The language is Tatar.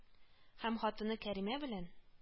Һәм хатыны кәримә белән